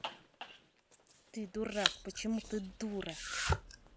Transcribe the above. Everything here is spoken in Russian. ты дурак почему ты дура